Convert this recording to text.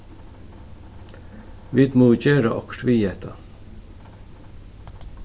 vit mugu gera okkurt við hetta